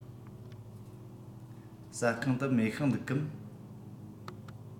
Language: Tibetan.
ཟ ཁང དུ མེ ཤིང འདུག གམ